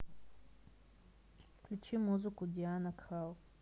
включи музыку диана кралл